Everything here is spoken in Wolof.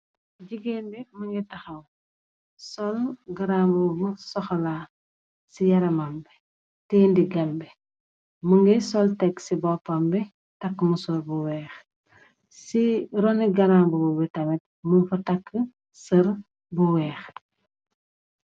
Jigeen bi mugii taxaw sol garambubu bu sokola ci yaramam bi tegeh digam bi, mugii sol tèg ci bópam bi ak mesor bu wèèx. Ci ronni garambubu tamit mung fa tég seer bu wèèx.